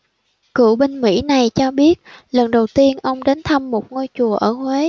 cựu binh mỹ này cho biết lần đầu tiên ông đến thăm một ngôi chùa ở huế